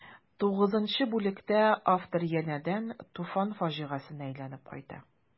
Тугызынчы бүлектә автор янәдән Туфан фаҗигасенә әйләнеп кайта.